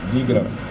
10 grammes